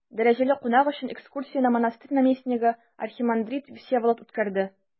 Дәрәҗәле кунак өчен экскурсияне монастырь наместнигы архимандрит Всеволод үткәрде.